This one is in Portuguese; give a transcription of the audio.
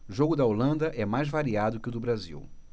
jogo da holanda é mais variado que o do brasil